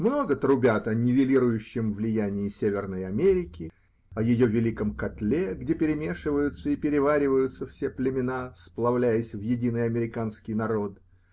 Много трубят о нивелирующем влиянии Северной Америки, о ее великом котле, где перемешиваются и перевариваются все племена, сплавляясь в единый американский народ.